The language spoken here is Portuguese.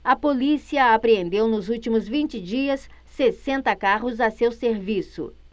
a polícia apreendeu nos últimos vinte dias sessenta carros a seu serviço